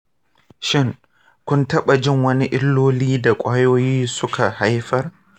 shin, kun taɓa jin wani illolin da kwayoyin ku suka haifar?